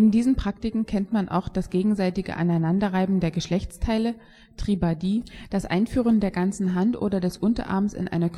diesen Praktiken kennt man auch das gegenseitige Aneinanderreiben der Geschlechtsteile (Tribadie), das Einführen der ganzen Hand oder des Unterarms in eine